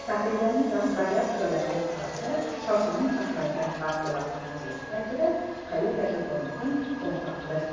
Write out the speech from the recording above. tahririyaning rahbariyat joylashgan qavatida shoshilinch chaqirilgan favqulodda majlisi paytida qayerga bo'lmasin qo'ng'iroq qilish